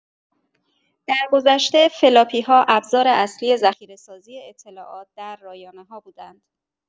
درگذشته، فلاپی ها ابزار اصلی ذخیره‌سازی اطلاعات در رایانه‌ها بودند.